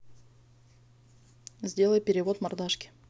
сделай перевод мордашки